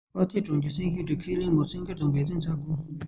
ཐའེ པེ གྲོང ཁྱེར སྲིད གཞུང གིས ཁས ལེན མོའི སེམས ཁུར དང འབད བརྩོན བྱ དགོས